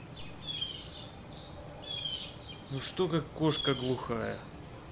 ну что как кошка глухая